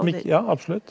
om ja absolutt.